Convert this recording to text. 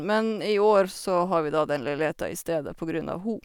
Men i år så har vi da den leiligheta i stedet på grunn av ho.